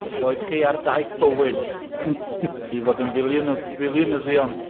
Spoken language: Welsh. i'ch rhoi chi ar daith bywyd, i fod yn filiwnydd- filiwnyddion!